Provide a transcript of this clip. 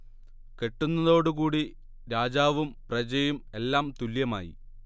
കെട്ടുന്നതോടു കൂടീ രാജാവും പ്രജയും എല്ലാം തുല്യമായി